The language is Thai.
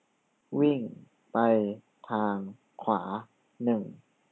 วิ่งไปทางขวาหนึ่ง